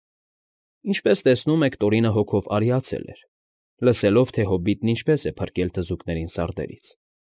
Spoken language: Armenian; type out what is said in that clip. Ինչպես տեսնում եք, Տորինը հոգով արիացել էր, լսելով, թե հոբիտն ինչպես է փրկել թզուկներին սարդերից։